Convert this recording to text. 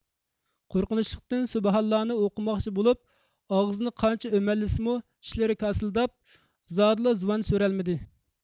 قورقۇنچىلىقتىن سۈبھاللانى ئوقۇماقچى بولۇپ ئاغزىنى قانچە ئۆمەللىسىمۇ چىشلىرى كاسىلداپ زادىلا زۇۋان سۈرەلمىدى